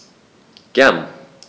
Gern.